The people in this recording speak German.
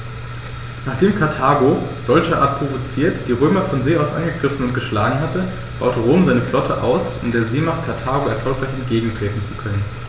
Nachdem Karthago, solcherart provoziert, die Römer von See aus angegriffen und geschlagen hatte, baute Rom seine Flotte aus, um der Seemacht Karthago erfolgreich entgegentreten zu können.